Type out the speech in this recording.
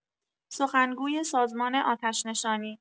سخنگوی سازمان آتش‌نشانی